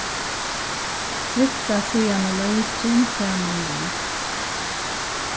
svitsa síðani leykin saman við